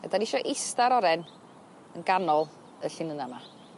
a 'dyn ni isio ista'r oren yn ganol y llinyn yma.